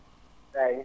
eeyi